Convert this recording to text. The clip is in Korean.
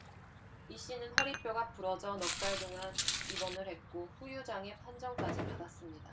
이 씨는 허리뼈가 부러져 넉 달 동안 입원을 했고 후유장애 판정까지 받았습니다